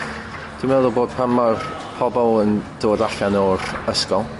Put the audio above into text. dwi meddwl bod pan ma'r pobol yn dod allan o'r ysgol